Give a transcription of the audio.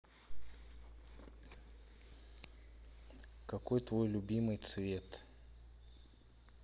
какой твой любимый цвет